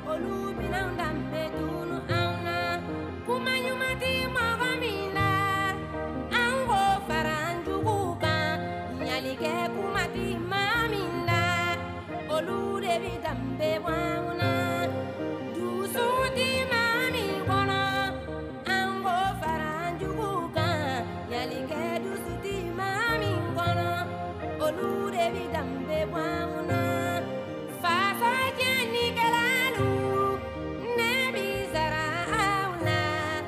Olu min danbed anw na kuma ɲumandi mɔgɔ tuma min la an ko farajugu ka ɲakɛkumadi min la olu de bɛ danbeurudi ma min kɔnɔ an ko farajugu ka jelikɛ dudi ma min kɔnɔ olu de bɛ danbe na fafe cɛkɛlalu ne bɛ sara la